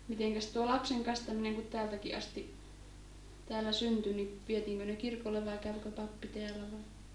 mitenkäs tuo lapsen kastaminen kun täältäkin asti täällä syntyi niin vietiinkö ne kirkolle vai kävikö pappi täällä vai